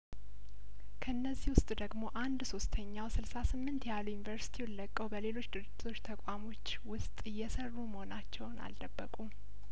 ከነዚህ ውስጥ ደግሞ አንድ ሶስተኛው ስልሳ ስምንት ያህሉ ዩኒቨርስቲውን ለቀው በሌሎች ድርጅቶች ተቋሞች ውስጥ እየሰሩ መሆናቸውን አልደበቁም